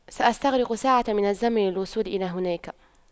سأستغرق ساعة من الزمن للوصول إلى هناك